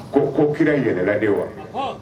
Ko ko kira y yɛlɛla de wa